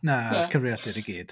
Na... Na? ...cyfrifiadur i gyd.